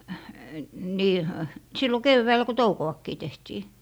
niin - silloin keväällä kun toukoakin tehtiin